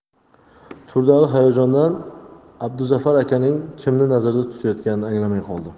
turdiali hayajondan abduzafar akaning kimni nazarda tutayotganini anglamay qoldi